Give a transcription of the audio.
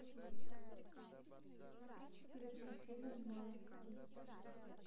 включить фильм маска